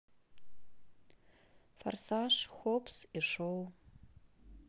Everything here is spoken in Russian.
форсаж хопс и шоу